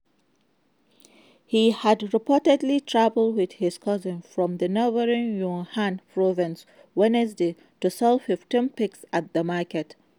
He had reportedly travelled with his cousin from the neighboring Yunnan province Wednesday to sell 15 pigs at the market.